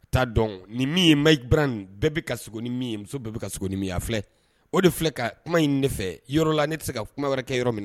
Ta dɔn nin ye Myiki Bran muso bɛɛ bɛ ka siko ni min ye a filɛ nin ye o de filɛ ka kuma iɲini ne fɛ yɔrɔ la ne tɛ se ka kuma wɛrɛ kɛ yɔrɔ min na.